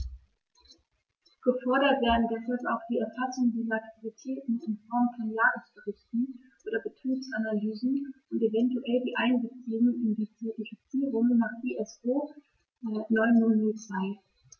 Gefordert werden deshalb auch die Erfassung dieser Aktivitäten in Form von Jahresberichten oder Betriebsanalysen und eventuell die Einbeziehung in die Zertifizierung nach ISO 9002.